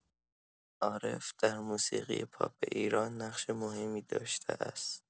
عارف در موسیقی پاپ ایران نقش مهمی داشته است.